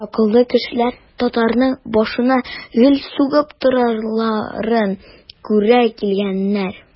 Акыллы кешеләр татарның башына гел сугып торуларын күрә килгәннәр.